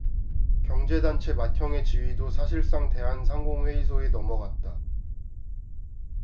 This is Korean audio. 경제단체 맏형의 지위도 사실상 대한상공회의소에 넘어갔다